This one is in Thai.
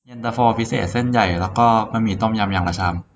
เย็นตาโฟพิเศษเส้นใหญ่และก็บะหมี่ต้มยำอย่างละชาม